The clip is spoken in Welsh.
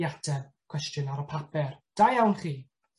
i ateb cwestiwn ar y papur, da iawn chi.